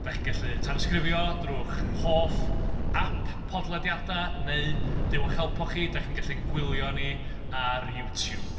Dach chi'n gallu tanysgrifio drwy'ch hoff app podlediadau neu Duw a'ch helpo chi, dach chi'n gallu'n gwylio ni ar YouTube.